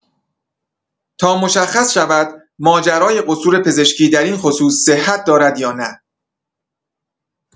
تا مشخص شود ماجرای قصور پزشکی در این خصوص صحت دارد یا نه.